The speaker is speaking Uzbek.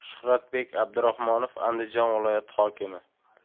shuhratbek abdurahmonov andijon viloyat hokimi